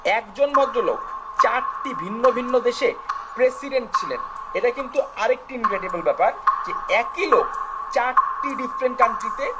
একজন ভদ্রলোক চারটি ভিন্ন ভিন্ন দেশে প্রেসিডেন্ট ছিলেন এটা কিন্তু আরেকটি ইনক্রেডিবল ব্যাপার যে একই লোক 4 টি ডিফারেন্ট কান্ট্রি তে